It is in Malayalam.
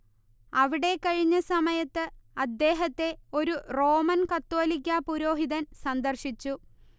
അവിടെ കഴിഞ്ഞ സമയത്ത് അദ്ദേഹത്തെ ഒരു റോമൻ കത്തോലിക്കാ പുരോഹിതൻ സന്ദർശിച്ചു